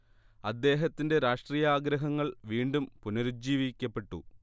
അദ്ദേഹത്തിന്റെ രാഷ്ട്രീയാഗ്രഹങ്ങൾ വീണ്ടും പുനരുജ്ജീവിക്കപ്പെട്ടു